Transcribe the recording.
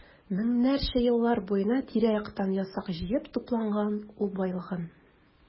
Меңнәрчә еллар буена тирә-яктан ясак җыеп туплаган ул байлыгын.